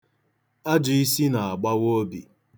Ajọisi na-agbawa obi.